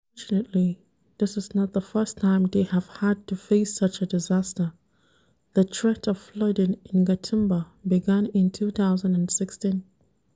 Unfortunately, this is not the first time they have had to face such a disaster: the threat of flooding in Gatumba began in 2016.